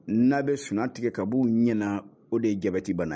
N'a bɛ sun tigɛ ka u ɲɛ o de ye jabati banna